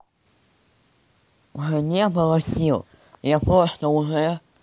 уже не было сил я просто уже